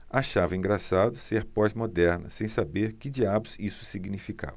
achava engraçado ser pós-moderna sem saber que diabos isso significava